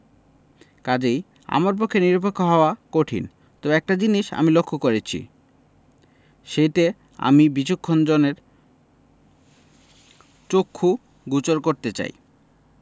কাজেই আমার পক্ষে নিরপেক্ষ হওয়া কঠিন তবে একটা জিনিস আমি লক্ষ করেছি সেইটে আমি বিচক্ষণ জনের চক্ষু গোচর করতে চাই